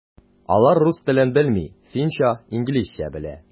Алар рус телен белми, финча, инглизчә белә.